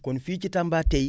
kon fii ci Tamba tey